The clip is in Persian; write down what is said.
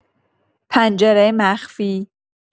پنجره مخفی